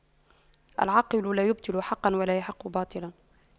العاقل لا يبطل حقا ولا يحق باطلا